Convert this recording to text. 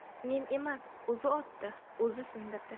men emas o'zi otdi o'zi sindirdi